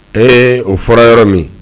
Ee o fɔra yɔrɔ min